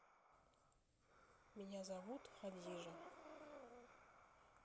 меня зовут хадижа